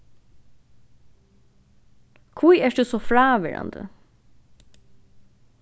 hví ert tú so fráverandi